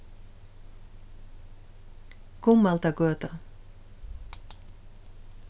gummaldagøta